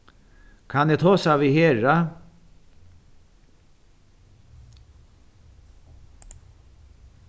kann eg tosa við hera